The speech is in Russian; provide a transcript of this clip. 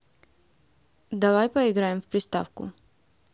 давай поиграем в приставку